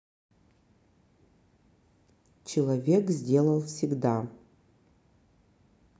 человек сделал всегда